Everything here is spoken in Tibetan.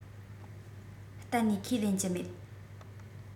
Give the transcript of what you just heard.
གཏན ནས ཁས ལེན གྱི མེད